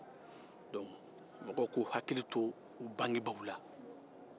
dɔnku mɔgɔw k'u hakili to u bangebaaw la